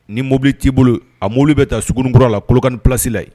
Ni mobili t'i bolo a mobili bɛ taa Sugun ni kura la Kolokani plasi la